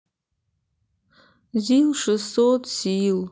зил шестьсот сил